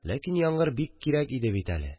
Ләкин яңгыр бик кирәк иде бит әле